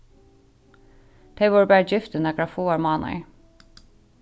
tey vóru bara gift í nakrar fáar mánaðir